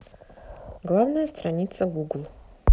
главная страница google